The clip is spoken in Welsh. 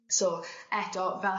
So eto fel...